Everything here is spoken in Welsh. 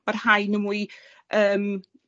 ma' rhain y mwy yym